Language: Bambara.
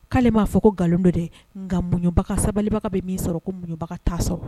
K'ale m'a fɔ ko nkalon dɔ de nka mubaga sabalibaga bɛ min sɔrɔ kobaga' sɔrɔ